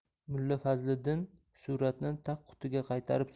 mulla fazliddin suratni tagqutiga qaytarib